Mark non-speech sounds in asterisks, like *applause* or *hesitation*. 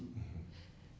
*hesitation* *hesitation*